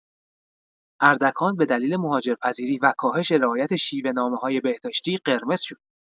اردکان به دلیل مهاجرپذیری و کاهش رعایت شیوه‌نامه‌های بهداشتی، قرمز شد.